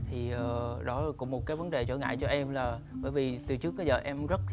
thì ờ đó cũng một cái vấn đề trở ngại cho em là bởi vì từ trước tới giờ em rất